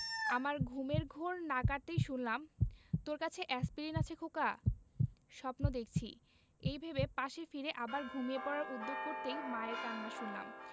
আমার ঘুমের ঘোর না কাটতেই শুনলাম তোর কাছে এ্যাসপিরিন আছে খোকা স্বপ্ন দেখছি এই ভেবে পাশে ফিরে আবার ঘুমিয়ে পড়ার উদ্যোগ করতেই মায়ের কান্না শুনলাম